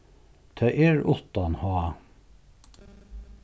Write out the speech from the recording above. tað er uttan h